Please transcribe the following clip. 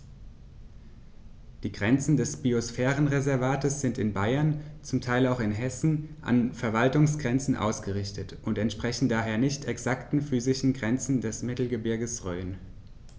Die Grenzen des Biosphärenreservates sind in Bayern, zum Teil auch in Hessen, an Verwaltungsgrenzen ausgerichtet und entsprechen daher nicht exakten physischen Grenzen des Mittelgebirges Rhön.